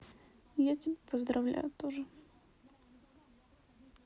я тебя поздравляю тоже